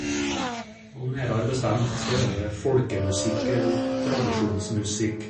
Og nærere bestemt så er det folkemusikk eller tradisjonsmusikk.